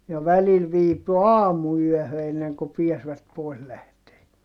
ja välillä viipyi aamuyöhön ennen kuin pääsivät pois lähtemään